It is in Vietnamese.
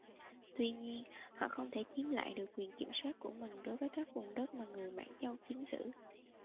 tuy nhiên họ không thể chiếm lại được quyền kiểm soát của mình đối với các vùng đất mà người mãn châu chiếm giữ